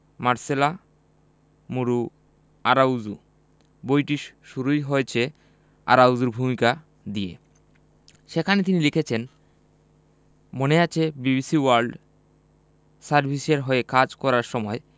Marcela Mora Araujo বইটি শুরুই হয়েছে আরাউজোর ভূমিকা দিয়ে সেখানে তিনি লিখেছেন মনে আছে বিবিসি ওয়ার্ল্ড সার্ভিসের হয়ে কাজ করার সময়